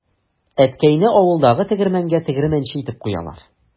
Әткәйне авылдагы тегермәнгә тегермәнче итеп куялар.